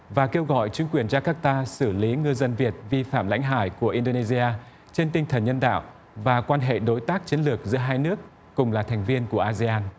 và kêu gọi chính quyền gia các ta xử lý ngư dân việt vi phạm lãnh hải của in đô nê si a trên tinh thần nhân đạo và quan hệ đối tác chiến lược giữa hai nước cùng là thành viên của a se an